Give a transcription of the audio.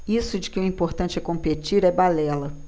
isso de que o importante é competir é balela